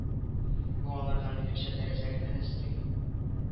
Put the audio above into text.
Бу аларга минемчә дәрәҗә генә өсти